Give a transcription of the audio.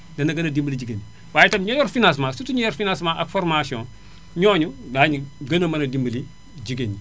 dana gën a dimbali jigéen ñi waaye tam ña yor financement surtout ñi yor financement ak formation ñooñu daañu gën a mën a dimbali jigéen ñi